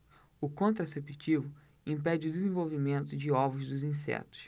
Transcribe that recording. o contraceptivo impede o desenvolvimento de ovos dos insetos